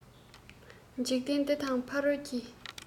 འཇིག རྟེན འདི དང ཕ རོལ གྱི